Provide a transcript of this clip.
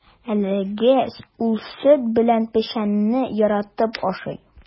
Әлегә ул сөт белән печәнне яратып ашый.